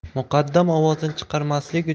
muqaddam ovozini chiqarmaslik